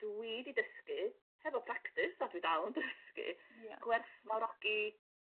dw i 'di dysgu hefo practis a dwi dal yn dysgu gwerthfawrogi